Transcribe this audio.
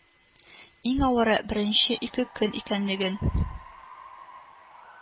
Иң авыры беренче ике көн икәнлеген